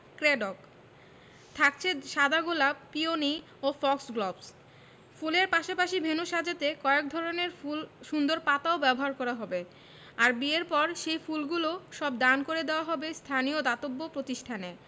Craddock থাকছে সাদা গোলাপ পিওনি ও ফক্সগ্লভস ফুলের পাশাপাশি ভেন্যু সাজাতে কয়েক ধরনের ফুল সুন্দর পাতাও ব্যবহার করা হবে আর বিয়ের পর সেই ফুলগুলো সব দান করে দেওয়া হবে স্থানীয় দাতব্য প্রতিষ্ঠানে